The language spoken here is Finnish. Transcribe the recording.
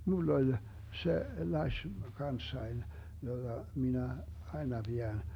minulla oli se lasi kanssani jota minä aina pidän